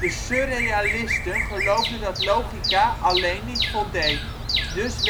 surrealisten geloofden dat logica alleen niet voldeed, dus